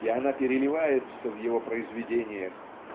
и она переливается в его произведениях